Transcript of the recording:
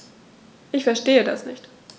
Ich verstehe das nicht.